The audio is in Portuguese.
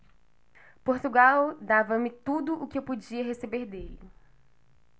portugal dava-me tudo o que eu podia receber dele